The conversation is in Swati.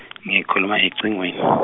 ngikhuluma elucingweni .